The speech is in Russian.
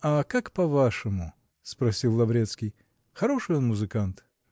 -- А как, по-вашему, -- спросил Лаврецкий, -- хороший он музыкант?